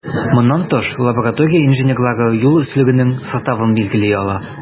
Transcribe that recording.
Моннан тыш, лаборатория инженерлары юл өслегенең составын билгели ала.